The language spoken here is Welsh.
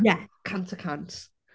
Yeah cant y cant.